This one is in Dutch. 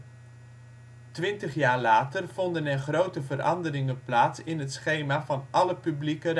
jaar later vonden er grote veranderingen plaats in het schema van alle publieke